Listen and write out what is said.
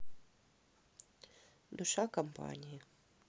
душа компании